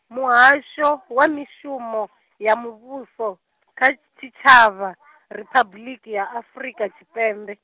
Muhasho, wa Mishumo, ya Muvhuso, kha Tshitshavha , Riphabuḽiki ya Afrika Tshipembe.